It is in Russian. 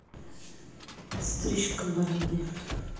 стрижка бороды